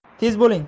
tez bo'ling